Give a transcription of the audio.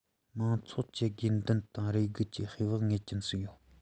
མང ཚོགས ཀྱི དགོས འདུན དང རེ སྒུག ཀྱི ཧེ བག ངེས ཅན ཞིག ཡོད